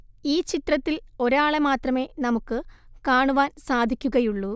ഈ ചിത്രത്തിൽ ഒരാളെ മാത്രമേ നമുക്ക് കാണുവാൻ സാധിക്കുകയുള്ളൂ